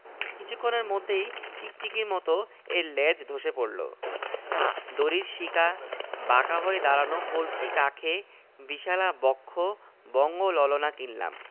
কিছুক্ষণের মধ্যেই টিকটিকির মত এর ল্যাজ ধসে পড়ল দড়ির শিকা বাঁকা হয়ে দাঁড়ানো কলসি কাঁখে বিশালা বক্ষ বঙ্গ ললনা কিনলাম